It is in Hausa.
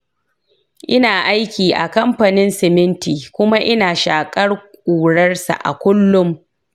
ina aiki a kamfanin siminti kuma ina shaƙar ƙurarsa a kullum